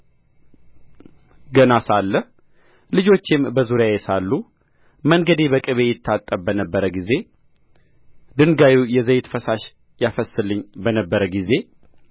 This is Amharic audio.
ገና ሳለ ልጆቼም በዙሪያዬ ሳሉ መንገዴ በቅቤ ይታጠብ በነበረ ጊዜ ድንጋዩ የዘይት ፈሳሽ ያፈስስልኝ በነበረ ጊዜ